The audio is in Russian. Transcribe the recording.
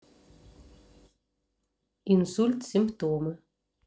инсульт симптомы